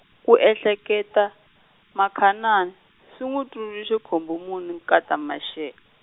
ku ehleketa, Makhanani, swi n'wi tsundzuxe Khombomuni nkata Mashele.